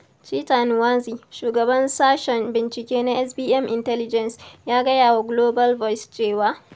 Cheta Nwanze, Shugaban Sashen Bincike na 'SBM Intelligence' ya gaya wa 'Global voice cewa: